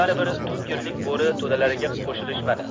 bari bir tub yerlik bo'ri to'dalariga qo'shilishmadi